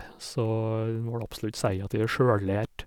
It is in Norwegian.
Så en må vel absolutt si at jeg er sjøllært.